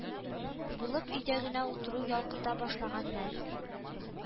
Булып өйдә генә утыру ялкыта башлаган мәл